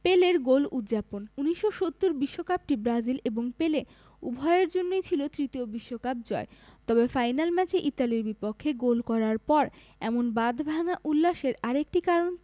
পেলের গোল উদ্যাপন ১৯৭০ বিশ্বকাপটি ব্রাজিল এবং পেলে উভয়ের জন্যই ছিল তৃতীয় বিশ্বকাপ জয় তবে ফাইনাল ম্যাচে ইতালির বিপক্ষে গোল করার পর এমন বাঁধভাঙা উল্লাসের আরেকটি কারণ